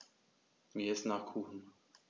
Mir ist nach Kuchen.